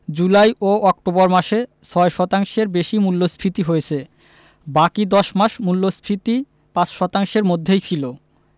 জুলাই ও অক্টোবর মাসে ৬ শতাংশের বেশি মূল্যস্ফীতি হয়েছে বাকি ১০ মাস মূল্যস্ফীতি ৫ শতাংশের মধ্যেই ছিল